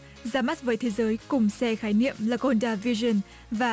ra mắt với thế giới cùng xe khái niệm la côn đa vi rừn và